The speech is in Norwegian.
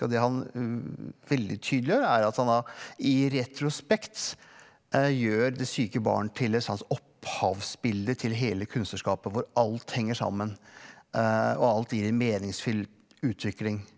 og det han veldig tydelig gjør er at han da i retrospekt gjør Det syke barn til et sånt opphavsbilde til hele kunstnerskapet hvor alt henger sammen og alt gir en meningsfull utvikling.